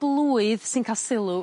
blwydd sy'n ca'l sylw...